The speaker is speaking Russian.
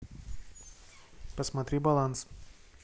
посмотри баланс